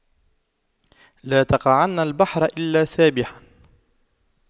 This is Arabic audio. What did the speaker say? لا تقعن البحر إلا سابحا